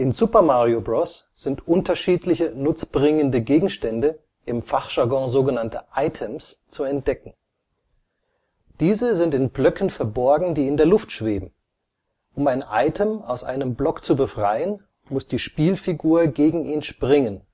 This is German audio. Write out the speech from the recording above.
Super Mario Bros. sind unterschiedliche nutzbringende Gegenstände (im Fachjargon „ Items “) zu entdecken. Diese sind in Blöcken verborgen, die in der Luft schweben. Um ein Item aus einem Block zu befreien, muss die Spielfigur gegen ihn springen